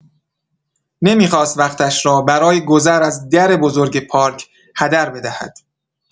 نمی‌خواست وقتش را برای گذر از در بزرگ پارک هدر بدهد.